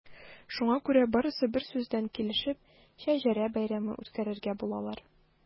Шуңа күрә барысы берсүздән килешеп “Шәҗәрә бәйрәме” үткәрергә булалар.